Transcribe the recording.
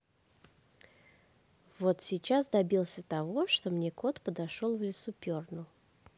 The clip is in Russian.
вот сейчас добился того что мне кот подошел в лесу пернул